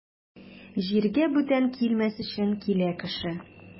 Җиргә бүтән килмәс өчен килә кеше.